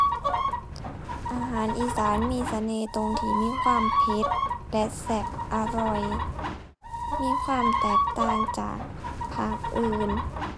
อาหารอีสานมีเสน่ห์ตรงที่มีความเผ็ดและแซ่บอร่อย มีความแตกต่างจากภาคอื่น